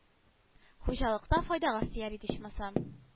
Хуҗалыкта файдагыз тияр иде ичмасам